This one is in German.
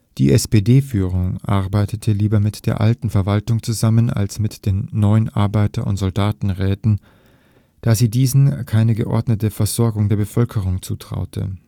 Die SPD-Führung arbeitete lieber mit der alten Verwaltung zusammen als mit den neuen Arbeiter - und Soldatenräten, da sie diesen keine geordnete Versorgung der Bevölkerung zutraute